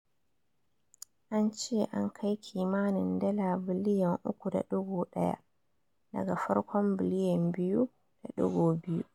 An ce an kai kimanin dala biliyan €3.1 ($ 3.6bn) - daga farkon biliyan €2.2.